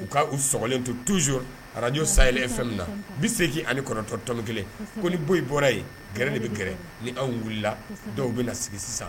U ka uu sogolen to tuzyo n'o say e fɛn min na u bɛ se k' ani kɔnɔntɔntɔ kelen ko ni bɔ i bɔra yen gɛrɛ de bɛ gɛrɛ ni anw wulila dɔw bɛna na sigi sisan